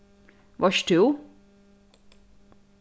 veitst tú